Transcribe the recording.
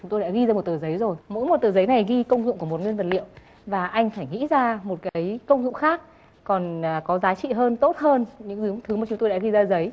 chúng tôi đã ghi được một tờ giấy rồi mỗi một tờ giấy này ghi công dụng của một nguyên vật liệu và anh phải nghĩ ra một cái công dụng khác còn có giá trị hơn tốt hơn những thứ mà chúng tôi đã ghi ra giấy